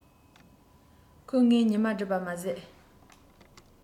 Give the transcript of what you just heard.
ཁོས ངའི ཉི མ སྒྲིབ པ མ ཟད